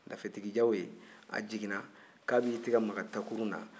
dafetigi jawoyi a jiginna k'a b'i tɛgɛ maga takurun na